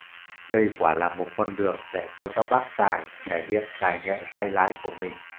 đây quả là một con đường để cho các bác tài thể hiện tài nghệ tay lái của mình